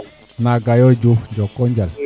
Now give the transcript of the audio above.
nagayo Diouf joko njal